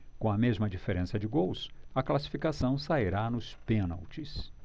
com a mesma diferença de gols a classificação sairá nos pênaltis